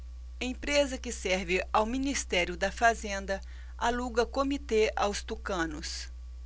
empresa que serve ao ministério da fazenda aluga comitê aos tucanos